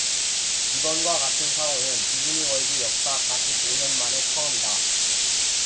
이번과 같은 사고는 디즈니월드 역사 사십 오 년 만에 처음이다